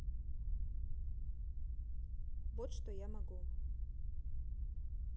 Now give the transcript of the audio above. вот что я могу